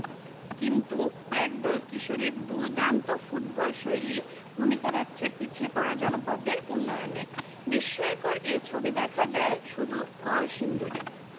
কিন্তু একদল কিশোরীর দুর্দান্ত ফুটবলশৈলী ভূমিকা রাখছে পিছিয়ে পড়া জনপদের উন্নয়নে বিস্ময়কর এই ছবি দেখা যায় শুধু কলসিন্দুরে